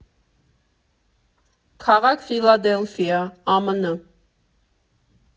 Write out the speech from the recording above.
Քաղաք՝ Ֆիլադելֆիա, ԱՄՆ։